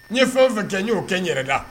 N ye fɛn o fɛn kɛ, n y'o kɛ n yɛrɛ la.